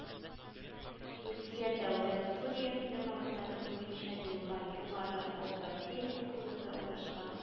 Русия дәүләт су реестры мәгълүматы буенча елга Югары Об бассейн округында урнашкан